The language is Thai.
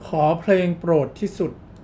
ขอเพลงโปรดที่สุด